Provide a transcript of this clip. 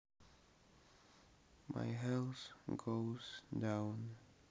май хелс гоус даун